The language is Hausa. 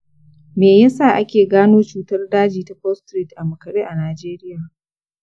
me ya sa ake gano cutar daji ta prostate a makare a najeriya?